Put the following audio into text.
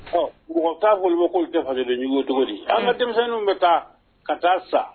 Ɔ mɔgɔ k'a bolo k'o jajugu cogo an ka denmisɛnninw bɛ taa ka taa sa